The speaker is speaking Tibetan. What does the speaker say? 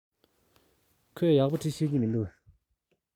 ཁོས ཡག པོ འབྲི ཤེས ཀྱི མིན འདུག